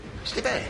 Sti be'?